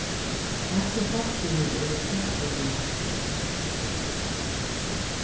hasi fólkini eru ógvuliga heppin